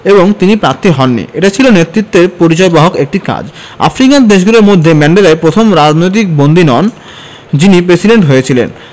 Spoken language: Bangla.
এবং তিনি প্রার্থী হননি এটা ছিল নেতৃত্বের পরিচয়বহ একটি কাজ আফ্রিকান দেশগুলোর মধ্যে ম্যান্ডেলাই প্রথম রাজনৈতিক বন্দী নন যিনি প্রেসিডেন্ট হয়েছিলেন